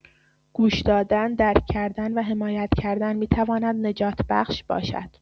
گوش‌دادن، درک‌کردن و حمایت کردن می‌تواند نجات‌بخش باشد.